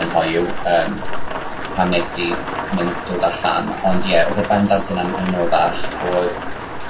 yn hoyw yym pan wnes i mynd dod allan. Ond ie odd e bendant yn an- yn anoddach. O'dd